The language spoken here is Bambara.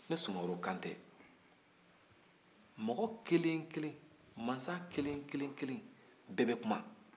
ne sumaworo kan tɛ mɔgɔ kelen-kelen mansa kelen-kelen bɛɛ bɛ kuma